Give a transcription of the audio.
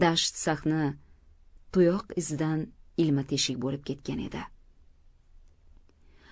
dasht sahni tuyoq izidan ilma teshik bo'lib ketgan edi